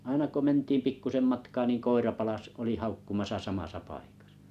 aina kun mentiin pikkuisen matkaa niin koira palasi oli haukkumassa samassa paikassa